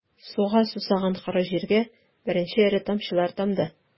Суга сусаган коры җиргә беренче эре тамчылар тамды...